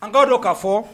An k'a don k'a fɔ